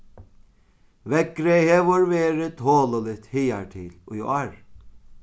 veðrið hevur verið toluligt higartil í ár